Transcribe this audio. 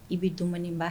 I bɛ dumuni ba